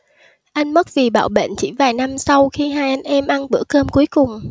anh mất vì bạo bệnh chỉ vài năm sau khi hai anh em ăn bữa cơm cuối cùng